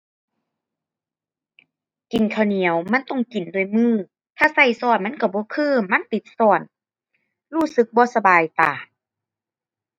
กินข้าวเหนียวมันต้องกินด้วยมือ ถ้าใช้ใช้มันใช้บ่คือ มันติดใช้รู้สึกบ่สบายตา